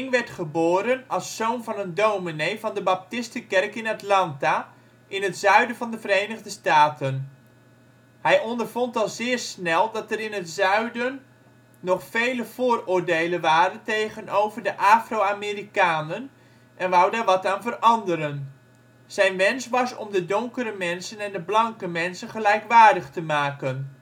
werd geboren als zoon van een dominee van de baptistenkerk in Atlanta, in het zuiden van de Verenigde Staten. Hij ondervond al zeer snel dat er in het zuiden nog vele vooroordelen waren tegenover de Afro-Amerikanen, en wou daar wat aan veranderen. Zijn wens was om de donkere mensen en de blanke mensen gelijkwaardig te maken